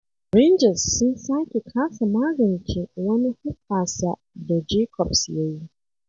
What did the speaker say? Rangers sun sake kasa magance wani hoɓɓasa da Jacobs ya yi.